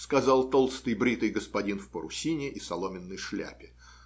сказал толстый бритый господин в парусине и соломенной шляпе.